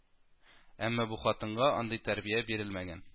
Әмма бу хатынга андый тәрбия бирелмәгән